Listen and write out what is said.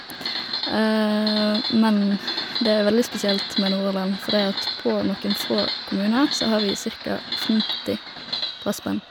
Men det er veldig spesielt med Nordhordland, fordi at på noen få kommuner så har vi cirka femti brassband.